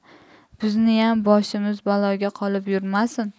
bizniyam boshimiz baloga qolib yurmasin